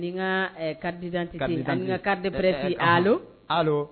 Ni kadti deɛrɛ